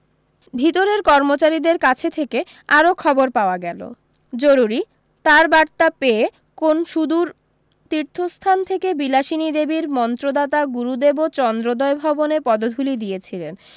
ভিতরের কর্মচারীদের কাছে থেকে আরও খবর পাওয়া গেলো জরুরি তারবার্তা পেয়ে কোন সুদূর তীর্থস্থান থেকে বিলাসিনী দেবীর মন্ত্রদাতা গুরুদেবও চন্দ্রোদয় ভবনে পদধুলি দিয়েছিলেন